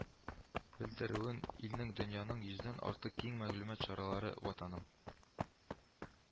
Белдерүен илнең, дөньяның йөздән артык киң мәгълүмат чаралары ватаным